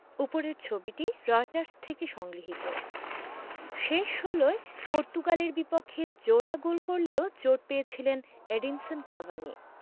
ওপরের ছবিটি রয়টার্স থেকে সংগৃহীত শেষ ষোলোয় পর্তুগালের বিপক্ষে জোড়া গোল করলেও চোট পেয়েছিলেন এডিনসন কাভানি